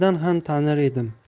naridan ham tanir edim